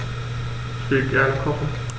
Ich will gerne kochen.